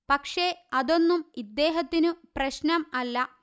പക്ഷെ അതൊന്നും ഇദ്ദേഹത്തിനു പ്രശ്നം അല്ല